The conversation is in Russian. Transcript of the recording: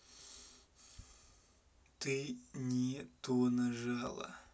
ты не то нажала